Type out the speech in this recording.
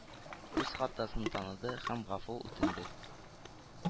Үз хатасын таныды һәм гафу үтенде.